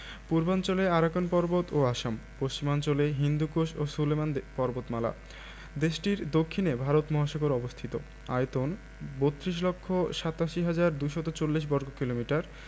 পূর্বাঞ্চলে আরাকান পর্বত ও আসামপশ্চিমাঞ্চলে হিন্দুকুশ ও সুলেমান পর্বতমালাদেশটির দক্ষিণে ভারত মহাসাগর অবস্থিত আয়তন ৩২ লক্ষ ৮৭ হাজার ২৪০ বর্গ কিমি